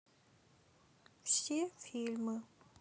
все фильмы